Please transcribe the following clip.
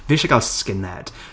Fi isie gael skinhead.